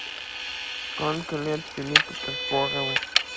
сколько лет филиппу киркорову